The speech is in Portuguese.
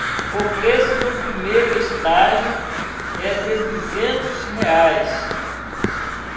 o preço do primeiro estágio é de duzentos reais